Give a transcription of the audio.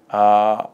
Aa